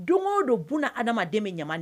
Don go don buna adamaden be ɲaman na.